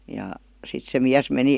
ja sitten se mies meni